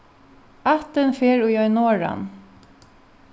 ættin fer í ein norðan